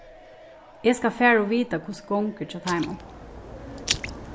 eg skal fara og vita hvussu gongur hjá teimum